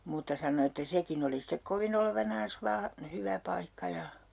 mutta sanoi että sekin oli sitten kovin olevinaan vain hyvä paikka ja